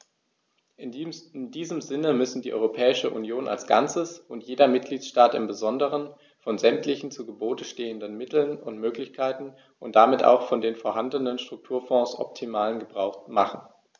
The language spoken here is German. In diesem Sinne müssen die Europäische Union als Ganzes und jeder Mitgliedstaat im Besonderen von sämtlichen zu Gebote stehenden Mitteln und Möglichkeiten und damit auch von den vorhandenen Strukturfonds optimalen Gebrauch machen.